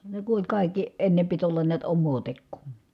ne kun oli kaikki ennen piti olla näet omaa tekoa